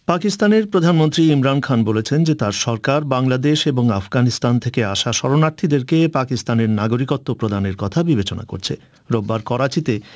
মন্ত্রী ইমরান খান বলেছেন যে তাঁর সরকার বাংলাদেশ এবং আফগানিস্তান থেকে আসা শরণার্থীদের কে পাকিস্তানের নাগরিকত্ব প্রদানের কথা বিবেচনা করছে রোববার করাচিতে